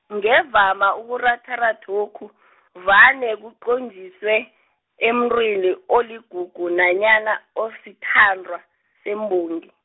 ngevama ukuratharathokho , vane kunqotjhiswe, emuntwini oligugu nanyana osithandwa, sembongi.